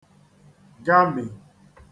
gamì